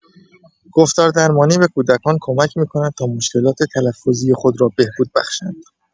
گفتاردرمانی به کودکان کمک می‌کند تا مشکلات تلفظی خود را بهبود بخشند.